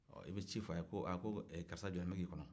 i be ci fɔ a ye ko karisa jɔlen bɛ k'i kɔnɔ